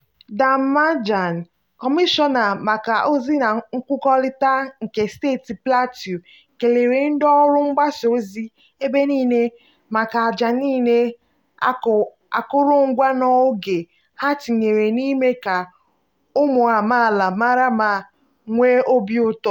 Dan Manjang, kọmishọna maka ozi na nkwukọrịta nke steeti Plateau, kelere ndị ọrụ mgbasa ozi ebe niile maka "àjà niile, akụrụngwa na oge" ha tinyere n'ime ka ụmụ amaala mara ma nwee obi ụtọ: